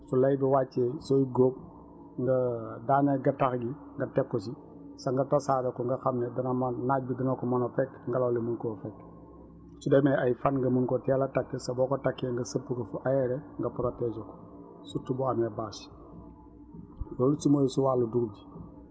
su lay bi wàccee sooy góob nga daaneel gattax gi nga teg ko si sa nga tasaare ko nga xam ne dana man naaj bi dina ko mën a fekk ngelaw li mën koo fekk su demee ay fan nga mun koo teel a takk soo ko takkee nga sëpp ko fu aéré nga protégé ko surtout boo amee bâche loolu ci mooy si wàllu dugub ji